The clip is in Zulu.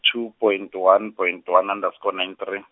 two point one point one underscore nine three.